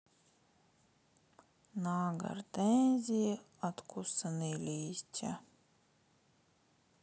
на гортензии откусанные листья